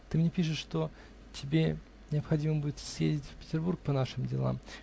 Ты мне пишешь, что тебе необходимо будет съездить в Петербург по нашим делам.